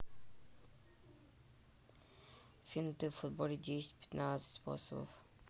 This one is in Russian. финты в футболе десять пятнадцать способов